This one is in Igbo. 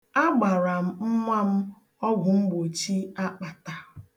Agbara m nwa m ọgwụmgbochi akpata.